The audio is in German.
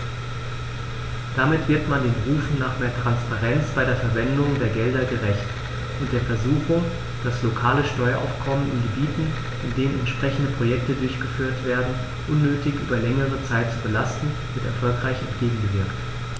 Damit wird man den Rufen nach mehr Transparenz bei der Verwendung der Gelder gerecht, und der Versuchung, das lokale Steueraufkommen in Gebieten, in denen entsprechende Projekte durchgeführt werden, unnötig über längere Zeit zu belasten, wird erfolgreich entgegengewirkt.